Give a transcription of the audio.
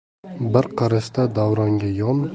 bir qarashda davronga